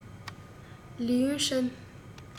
ལིའུ ཡུན ཧྲན